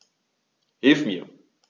Hilf mir!